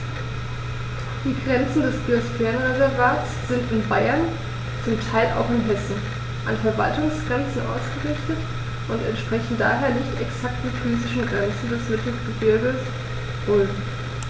Die Grenzen des Biosphärenreservates sind in Bayern, zum Teil auch in Hessen, an Verwaltungsgrenzen ausgerichtet und entsprechen daher nicht exakten physischen Grenzen des Mittelgebirges Rhön.